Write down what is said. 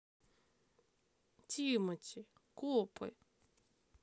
тимати копы